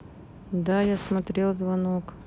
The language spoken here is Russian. да я смотрел звонок